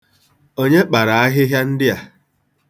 Onye kpara ahịhịa ndị a?